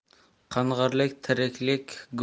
qing'irlik tiriklik go'ri